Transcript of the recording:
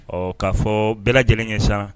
Ɔ k'a fɔ bɛɛ lajɛlenkɛ san